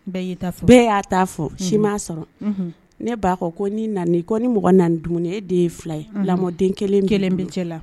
Bɛɛ y'a taa' fɔ si m ma sɔrɔ ne'a ko ni ko ni mɔgɔ nand e de ye fila ye lamɔden kelen kelen bɛ cɛ la